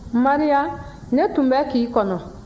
maria ne tun bɛ k'i kɔnɔ